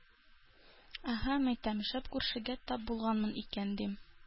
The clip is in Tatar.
Әһә, мәйтәм, шәп күршегә тап булганмын икән, дим.